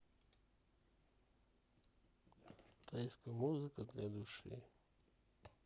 тайская музыка для души